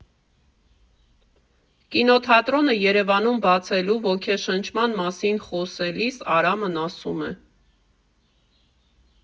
Կինոթատրոնը Երևանում բացելու ոգեշնչման մասին խոսելիս Արամն ասում է.